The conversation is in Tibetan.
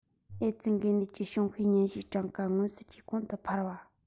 ཨེ ཙི འགོས ནད ཀྱི བྱུང དཔེ སྙན ཞུའི གྲངས ཀ མངོན གསལ གྱིས གོང དུ འཕར བ